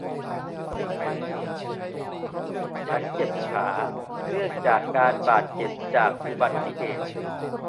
ฉันเจ็บขาเนื่องจากการบาดเจ็บจากอุบัติเหตุ